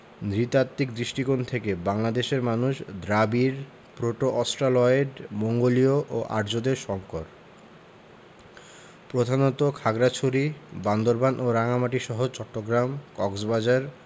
নৃতাত্ত্বিক দৃষ্টিকোণ থেকে বাংলাদেশের মানুষ দ্রাবিড় প্রোটো অস্ট্রালয়েড মঙ্গোলীয় ও আর্যদের সংকর প্রধানত খাগড়াছড়ি বান্দরবান ও রাঙ্গামাটিসহ চট্টগ্রাম কক্সবাজার